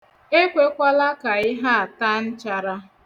Ekwekwala ka ihe a taa nchara.